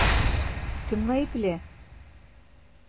Кем гаепле?